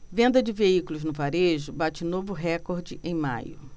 venda de veículos no varejo bate novo recorde em maio